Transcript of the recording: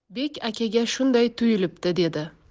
bek akaga shunday tuyulibdi dedi